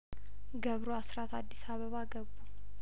ገብሩ አስራት አዲስ አበባ ገቡ